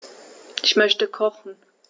Ich möchte kochen.